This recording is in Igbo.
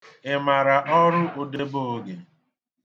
Ị mara ọrụ òdeboògè?